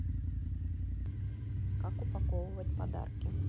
как упаковывать подарки